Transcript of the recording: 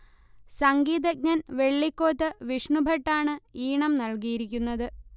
സംഗീതജ്ഞൻ വെള്ളിക്കോത്ത് വിഷ്ണുഭട്ട് ആണ് ഈണം നല്കിയിരിക്കുന്നത്